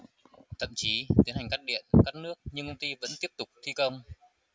thậm chí tiến hành cắt điện cắt nước nhưng công ty vẫn tiếp tục thi công